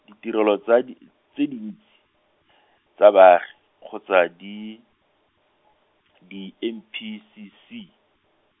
ditirelo tsa di, tse dintsi, tsa baagi, kgotsa di, di M P C C.